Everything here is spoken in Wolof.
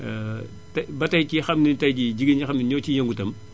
te ba tay ki xam ne tay jii jigéen ñi xam ne ñoo ciy yëngu itam